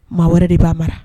Maa wɛrɛ de b'a mara